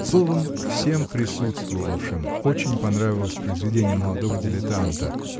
Словом, всем присутствовавшим очень понравилось произведение молодого дилетанта